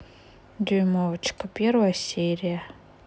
дюймовочка первая серия